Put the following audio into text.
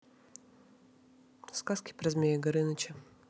сказки про змея горыныча